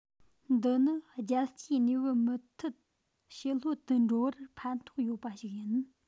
འདི ནི རྒྱལ སྤྱིའི གནས བབ མུ མཐུད ཞི ལྷོད དུ འགྲོ བར ཕན ཐོགས ཡོད པ ཞིག ཡིན